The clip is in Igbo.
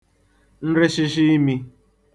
nrịshịshị imī